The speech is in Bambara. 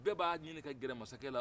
bɛɛ b'a ɲini ka gɛrɛ masakɛ la